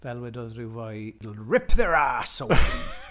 Fel wedodd ryw foi, "It'll rip their arse open!"